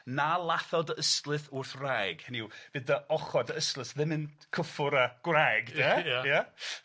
Na lathod ystlyth wrth wraig, hynny yw bydd dy ochod dy ystlyth ddim yn cyffwr â gwraig de. Ia. Ia?